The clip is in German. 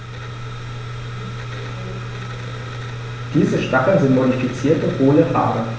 Diese Stacheln sind modifizierte, hohle Haare.